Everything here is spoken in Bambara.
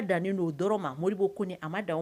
A dannen n'o dɔrɔn ma mo bɔ ko ni a ma dan